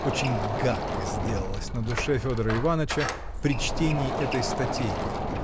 очень гадко сделалось на душе Федора Иваныча при чтении этой статейки.